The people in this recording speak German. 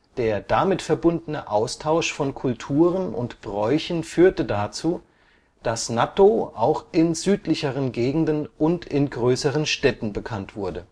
Der damit verbundene Austausch von Kulturen und Bräuchen führte dazu, dass Nattō auch in südlicheren Gegenden und in größeren Städten bekannt wurde